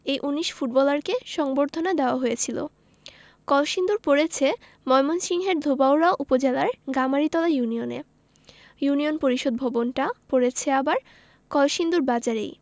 এই ১৯ ফুটবলারকে সংবর্ধনা দেওয়া হয়েছিল কলসিন্দুর পড়েছে ময়মনসিংহের ধোবাউড়া উপজেলার গামারিতলা ইউনিয়নে ইউনিয়ন পরিষদ ভবনটা পড়েছে আবার কলসিন্দুর বাজারেই